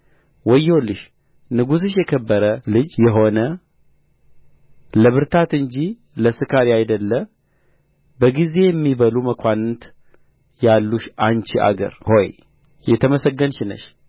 ወዮልሽ ንጉሥሽ የከበረ ልጅ የሆነ ለብርታት እንጂ ለስካር ያይደለ በጊዜ የሚበሉ መኳንንት ያሉሽ አንቺ አገር ሆይ የተመሰገንሽ ነሽ ተግባር በመፍታት ጣራው